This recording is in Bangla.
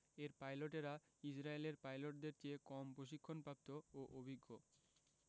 এর পাইলটেরা ইসরায়েলের পাইলটদের চেয়ে কম প্রশিক্ষণপ্রাপ্ত ও অভিজ্ঞ